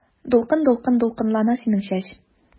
Дулкын-дулкын дулкынлана синең чәч.